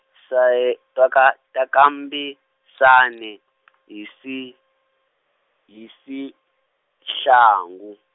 sa ye ta ka, ta ka Mbisane , hi si, hi si, tlangu.